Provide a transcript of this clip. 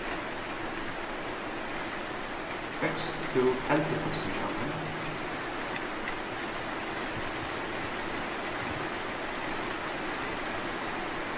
fekst tú teldupostin hjá mær